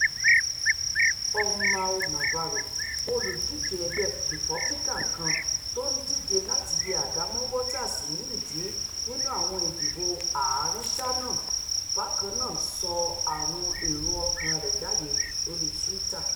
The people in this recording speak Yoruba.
Omar Navarro, olùdíje ẹgbẹ́ Republican kan tó ńdíje láti yẹ àga mọ́ Waters ní ìdí nínú àwọn ìdìbò ààrin-sáà náà, bákannáà sọ àwọn èrò ọkàn rẹ̀ jáde lori Twitter.